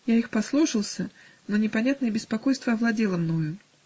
Я их послушался, но непонятное беспокойство овладело мною